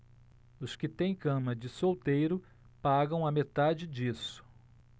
os que têm cama de solteiro pagam a metade disso